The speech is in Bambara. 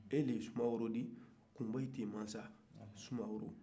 e de ye sumaworo ye kunbaw ci masa sumaworo